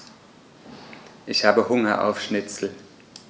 Ich habe Hunger auf Schnitzel.